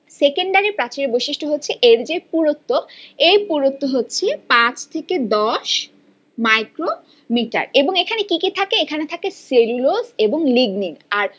secondary প্রাচীর এর বৈশিষ্ট্য হচ্ছে এর যে পুরুত্ব এই পুরুত্ব হচ্ছে ৫ থেকে ১০ মাইক্রোমিটার এবং এখানে কি কি থাকে এখানে থাকে এখানে থাকে সেলুলোজ এবং লিগনিন আর